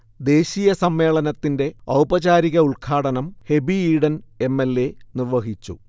ദേശീയ സമ്മേളനത്തിന്റെ ഔപചാരിക ഉത്ഘാടനം Hibi Eden M. L. A. നിർവഹിച്ചു